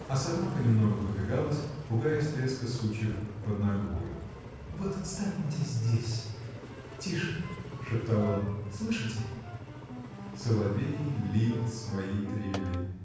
А сама понемногу подвигалась, пугаясь треска сучьев под ногой. — Вот станемте здесь — тише. — шептал он, — слышите? Соловей лил свои трели.